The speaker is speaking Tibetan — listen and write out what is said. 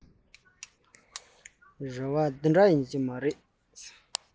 རེ བ ད ག ཟེ རེད